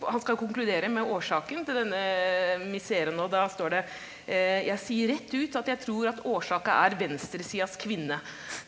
han skal jo konkludere med årsaken til denne miseren og da står det, jeg sier rett ut at jeg tror at årsaka er venstresidas kvinne.